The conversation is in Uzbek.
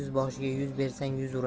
yuzboshiga yuz bersang yuz urar